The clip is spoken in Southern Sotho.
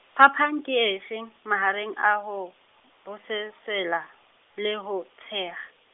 phapang ke efe mahareng a ho, bososela, le ho, tsheha?